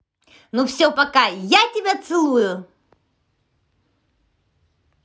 ну все пока я тебя целую